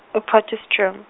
o- Potchefstroom.